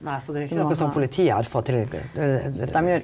nei så det er ikkje noko som politiet har fått .